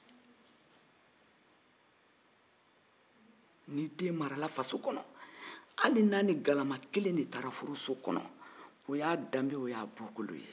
ni den marala faso kɔnɔ hali n'a ni galama akelen de taara furuso kɔnɔ o y'a danbe ye